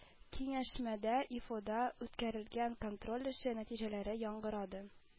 Киңәшмәдә ИФОда үткәрелгән контроль эше нәтиҗәләре яңгырады